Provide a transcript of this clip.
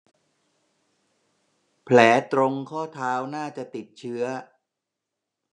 แผลตรงข้อเท้าน่าจะติดเชื้อ